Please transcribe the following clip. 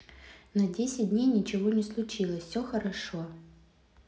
на десять дней ничего не случилось все хорошо